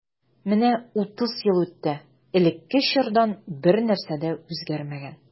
Менә утыз ел үтте, элекке чордан бернәрсә дә үзгәрмәгән.